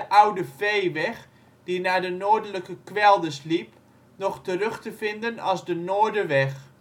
oude veeweg die naar de noordelijke kwelders liep nog terug te vinden als de Noorderweg